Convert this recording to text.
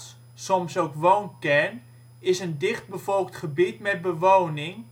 soms ook ' woonkern ') is een dichtbevolkt gebied met bewoning